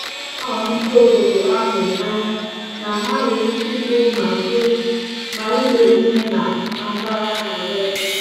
O juru nnọọ ndị obodo ahụ anya na ha nwere ike ịgụ ma ide ihe na Bambara na Weebụ!